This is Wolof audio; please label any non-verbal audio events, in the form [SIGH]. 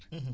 [HESITATION] [HESITATION]